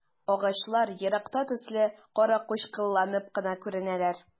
Агачлар еракта төсле каракучкылланып кына күренәләр.